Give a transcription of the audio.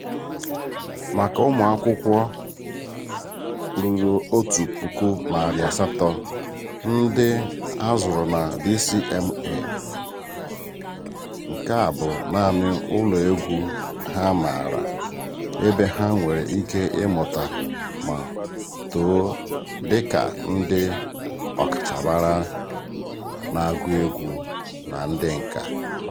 Maka ụmụ akwụkwọ 1,800 ndị a zụrụ na DCMA, nke a bụ naanị ụlọ egwu ha maara, ebe ha nwere ike ịmụta ma too dịka ndị ọkachamara na-agụ egwu na ndị ǹkà.